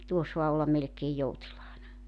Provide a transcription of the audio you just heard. niin tuo saa melkein joutilaana